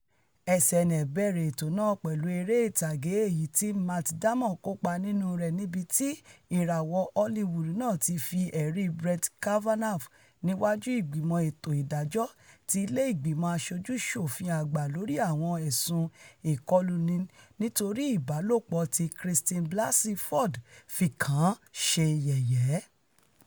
SNL bẹ̀rẹ̀ ètò náà pẹ̀lú eré ìtàgé èyití Matt Damon kópa nínú rẹ̀ níbití ìràwọ̀ Hollywood náà ti fi ẹ̀rí Brett Kavanaugh nìwáju Ìgbìmọ Ètò Ìdájọ́ ti Ilé Ìgbìmọ̀ Aṣojú-ṣòfin Àgbà lori àwọn ẹ̀sùn ìkọluni nítorí ìbálòpọ̀ tí Christine Blassey Ford fi kàn án ṣe yẹ̀yẹ̵́.